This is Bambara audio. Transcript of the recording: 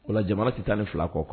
O jamana tɛ taa ni fila kɔ kɔnɔ